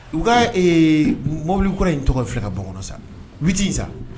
U ka ɛɛ, mɔbili kura in tɔgɔ fila ka bo n kɔnɔ sa, 8 in sa.